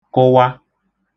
kụwa